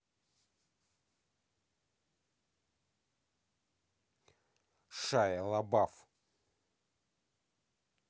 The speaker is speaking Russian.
шайа лабаф